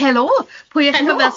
Helo!